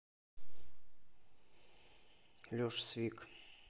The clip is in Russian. леша свик